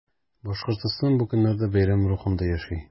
Башкортстан бу көннәрдә бәйрәм рухында яши.